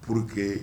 Pur que